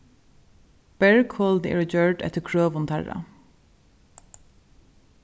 bergholini eru gjørd eftir krøvum teirra